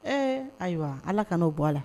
Ee ayiwa ala kana' bɔ a la